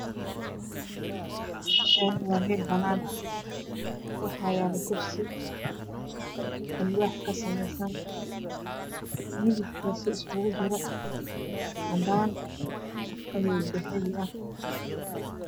Halkan waa qol wax yalo kursi dhulka waa yalo roog oo qahwi ah